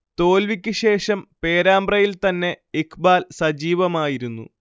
തോൽവിക്ക് ശേഷം പേരാമ്പ്രയിൽ തന്നെ ഇഖ്ബാൽ സജീവമായിരുന്നു